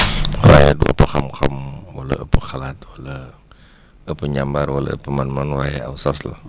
waaye du ëpp xam-xam wala ëpp xalaat wala ëpp njàmbaar wala ëpp mën-mën waaye aw sas la